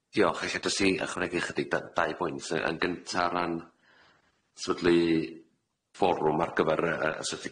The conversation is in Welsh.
Diolch. Ella jysd i ychwanegu chydig ad dau bwynt. Yy yn gynta o ran sefydlu fforwm ar gyfar yy y strategaeth